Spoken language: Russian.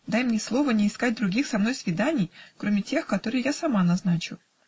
Дай мне слово не искать других со мной свиданий, кроме тех, которые я сама назначу".